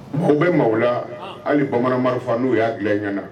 Maaw bɛ maa la hali ni bamananma n'u y'a bila ɲɛnaana